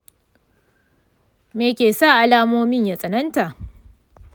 me ke sa alamomin ya tsananta?